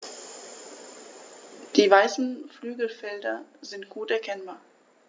Die weißen Flügelfelder sind gut erkennbar.